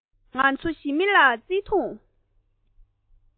ང ཚོ ཞི མི ལ བརྩེ དུང